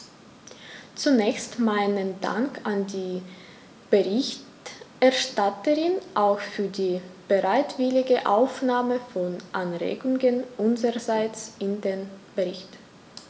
Zunächst meinen Dank an die Berichterstatterin, auch für die bereitwillige Aufnahme von Anregungen unsererseits in den Bericht.